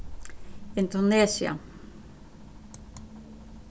indonesia